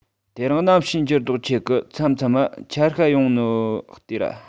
དེ རིང གནམ གཤིས འགྱུར ལྡོག ཆེ གི མཚམས མཚམས མ ཆར ཤྭ ཡོང ནོ ལྟོས ར